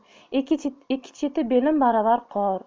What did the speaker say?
ikki cheti belim baravar qor